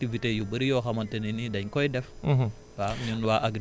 voilà mais am na yeneen activités yu bëri yoo xamante ne ni dañ koy def